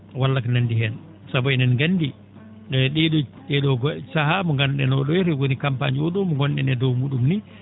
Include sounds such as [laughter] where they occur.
walla ko nanndi heen sabu e?en nganndi [hesitation] ?ee?oo ?ee?oo [hesitation] sahaa mo nganndu?en oo?oo heure woni campagne oo?oo mo ngon?en e dow mu?um ni